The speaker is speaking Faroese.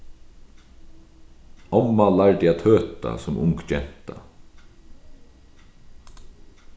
omma lærdi at tøta sum ung genta